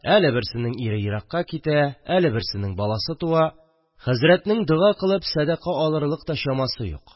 Әле берсенең ире еракка китә, әле берсенең баласы туа – хәзрәтнең дога кылып садака алырлык та чамасы юк